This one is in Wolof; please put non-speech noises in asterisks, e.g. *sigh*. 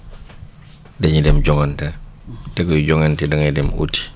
*noise* dañuy dem joŋante te kuy joŋante da ngay dem wuti